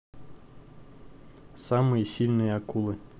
самые сильные акулы